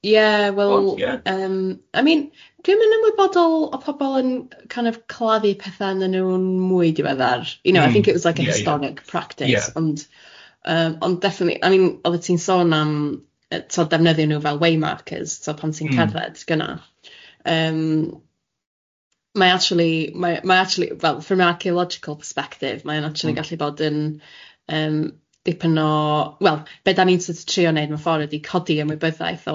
Ie wel yym I mean dwi'm yn ymwybodol o pobl yn kind of claddu pethe arnyn nhw'n mwy diweddar... Mm ia ia. ...you know I think it was like an historic practice... ie ...ond yym ond definitely I mean oeddet ti'n sôn am yy tibod defnyddio nhw fel waymarkers... Mm ...tibod pan ti'n cerdded gynna yym, mae actually mae mae actually wel from an archaeological perspective mae o'n actually gallu.. Mm. ...bod yn yym dipyn o, wel be dan ni'n sort of trio neud mewn ffordd ydi codi ymwybyddiaeth o